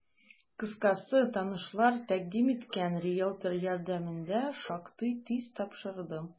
Кыскасы, танышлар тәкъдим иткән риелтор ярдәмендә шактый тиз тапшырдым.